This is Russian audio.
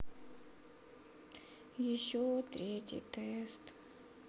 еще третий тест